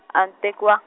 ani tekiwa-.